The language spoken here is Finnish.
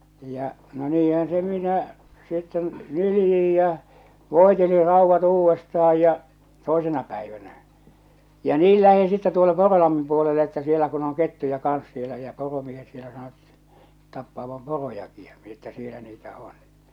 ja no niinhän se minä sitten nyljin ja voitelin raudat uudestaan ja toisena päivänä ja niin lähti sitten tuolle Korolammin puolelle että siellä kun on kettuja kanssa siellä ja poromiehet siellä sanoivat tappavan porojakin ja minä että siellä niitä on